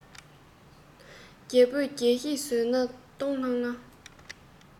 རྒྱལ པོ རྒྱལ གཞིས ཟོས ནས ལྟོགས ལྷང ལྷང